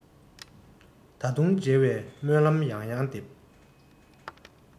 ད དུང མཇལ བའི སྨོན ལམ ཡང ཡང འདེབས